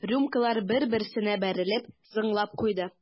Рюмкалар бер-берсенә бәрелеп зыңлап куйды.